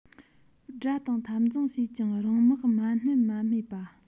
དགྲ དང འཐབ འཛིང བྱས ཀྱང རང དམག མ བསྣད མ རྨས པ